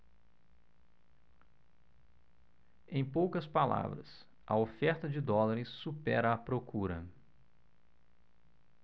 em poucas palavras a oferta de dólares supera a procura